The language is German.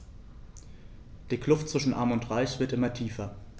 Die Kluft zwischen Arm und Reich wird immer tiefer.